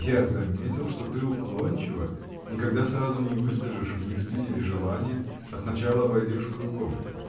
— Я заметил, что ты уклончива, никогда сразу не выскажешь мысли или желания, а сначала обойдешь кругом.